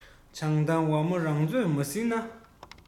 བྱང ཐང ཝ མོ རང ཚོད མ ཟིན ན